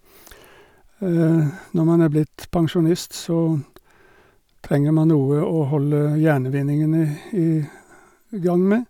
Når man er blitt pensjonist, så trenger man noe å holde hjernevindingene i i gang med.